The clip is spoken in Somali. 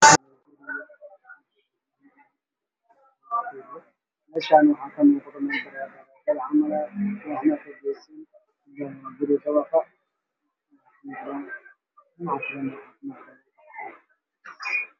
Meeshaan waxaa ku dhisan guri ga kaleerkiisa waa caddaan baral da ayuu leeyahay korkeedu xasan al waaxyo